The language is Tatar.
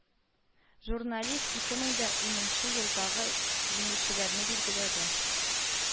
Журналист ике мең дә унынчы елдагы җиңүчеләрне билгеләде